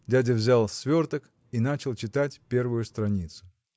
Дядя взял сверток и начал читать первую страницу.